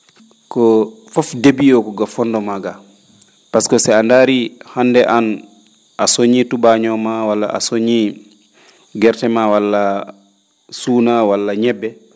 ko fof début o ko ga fondement ga par ce que so a ndaari hannde aan a soñii tubaaño maa walla a soñii gerte maa walla suuna walla ñebbe